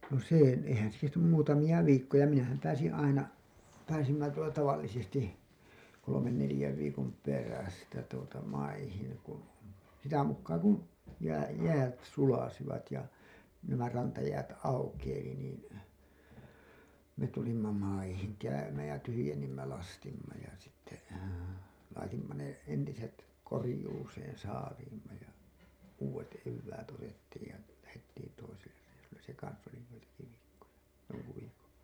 no se eihän se kestänyt muutamia viikkoja minähän pääsin aina pääsimme tuota tavallisesti kolmen neljän viikon perästä tuota maihin kun sitä mukaa kun - jäät sulivat ja nämä rantajäät aukeili niin me tulimme maihin käymään ja tyhjensimme lastimme ja sitten laitoimme ne entiset korjuuseen saaliimme ja uudet eväät otettiin ja lähdettiin toiselle reissulle se kanssa oli joitakin viikkoja jonkun viikon